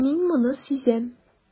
Мин моны сизәм.